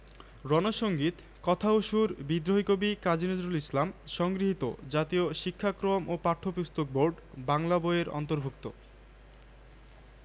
রন সঙ্গীত কথা ও সুর বিদ্রোহী কবি কাজী নজরুল ইসলাম সংগৃহীত জাতীয় শিক্ষাক্রম ও পাঠ্যপুস্তক বোর্ড বাংলা বই এর অন্তর্ভুক্ত